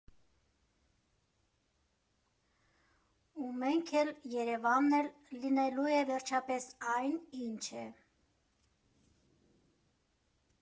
Ու մենք էլ, Երևանն էլ լինելու է վերջապես այն, ինչ է։